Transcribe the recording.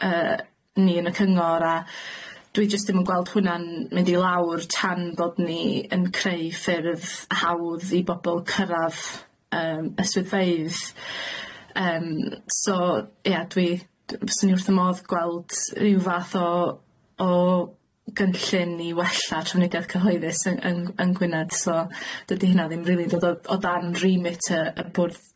yy ni yn y cyngor a dwi jyst ddim yn gweld hwnna'n mynd i lawr tan bod ni yn creu ffyrdd hawdd i bobol cyrradd yym y swyddfeydd yym so ie dwi d- fyswn i wrth fy modd gweld ryw fath o o gynllun i wella trafnidaeth cyhoeddus yn yn yn Gwynedd so dydi hynna ddim rili dod o o dan remit y y bwrdd